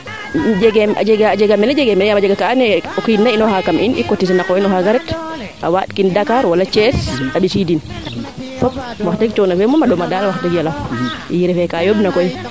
a jega mene jegee mene yaam a jega kaa ando naye o kiin na inoora kam in i cotiser na qoox in o xaaga ret a waand kin Dakar wala Thies a mbisiidin fop wax deg coono fee dal a ɗoma daal wax deg yala i refee kaa yomb na koy